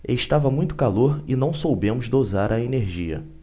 estava muito calor e não soubemos dosar a energia